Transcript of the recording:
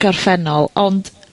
gorffennol, ond